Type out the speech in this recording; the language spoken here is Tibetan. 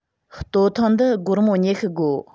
སྟོད ཐུང འདི སྒོར མོ ཉི ཤུ དགོ